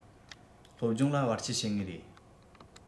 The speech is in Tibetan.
སློབ སྦྱོང ལ བར ཆད བྱེད ངེས རེད